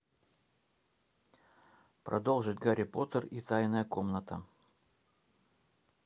продолжить гарри поттер и тайная комната